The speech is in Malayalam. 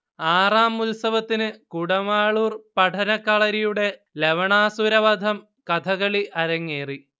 ആറാം ഉത്സവത്തിന് കുടമാളൂർ പഠനകളരിയുടെ ലവണാസുരവധം കഥകളി അരങ്ങേറി